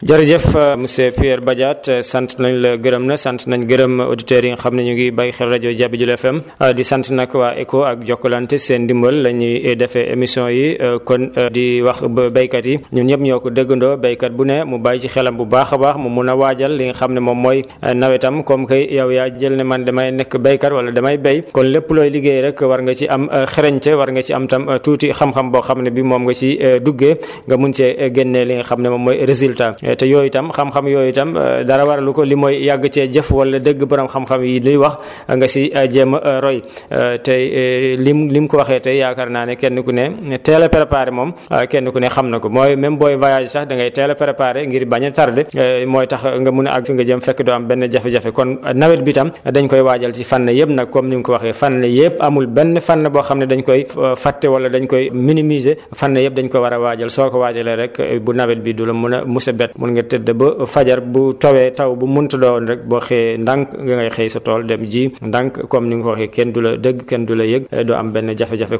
jërëjëf monsieur :fgra Pierre Badiate sant nañ la gërëm la sant nañ gërëm auditeurs yi nga xam ne ñu ngi bàyyi xel rajo Jabi Jula FM di sant nag waa ECHO ak Jokalante seen ndimbal la ñuy defee émission yi kon di wax ba béykay yi énun ñëpp ñoo ko déggandoo béykat bu ne mu bàyyi ci xelam bu baax a baax mu mun a waajal li nga xam ne moom mooy nawetam comme que yow yaa jël ne man damay nekk béykat wala damay béy kon lépp looy liggéey rek war nga ci am xarañte war nga ci am tam tuuti xam-xam boo xam ne bi moom nga siy duggee nga mun cee génne li nga xam ne mooy résultat te yooyu tam xam-xam yooyu tam dara wara lu ko lu moy yàgg cee jëf wala dégg borom xam-xam yi di wax nga siy jéem a roy te lim lim ko waxee tey yaakaar naa ne kenn ku ne ne teel a préparer moom kenn ku ne xam na ko mooy même booy voyage sax da ngay teel a préparer ngir bañ a tardé mooy tax nga mun a agg fi nga jëm fekk doo am benn jafe-jafe kon nawet bi tam dañ koy waajal si fànn yëpp nag comme nim ko waxee fànn yëpp amul benn fànn boo xam ne dañu koy fàtte wala dañu koy minimiser fànn yëpp dañ ko war a waajal soo ko waajalee rek bu nawet bi du la mun a mos a bett mun nga tëdd ba fajar bu tawee taw bu mu munti doon rek boo xëyee ndànk da ngay xëy sa tool dem ji ndànk comme ni nga ko waxee kenn du la dégg kenn du la yëg doo am benn jafe-jafe